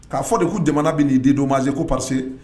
K'a fɔ de ko jamana bɛ'i didon mazse ko pase